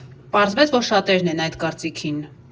Պարզվեց, որ շատերն են այդ կարծիքին։